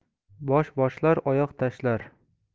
bosh boshlar oyoq tashlar